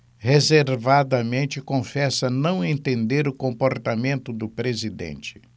reservadamente confessa não entender o comportamento do presidente